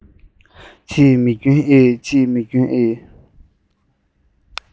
ཅི མི སྐྱོན ཨེ ཅི མི སྐྱོན ཨེ